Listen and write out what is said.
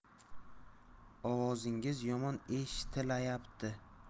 ovozingiz yomon eshitilayapti